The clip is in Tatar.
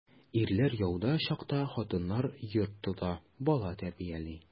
Ирләр яуда чакта хатыннар йорт тота, бала тәрбияли.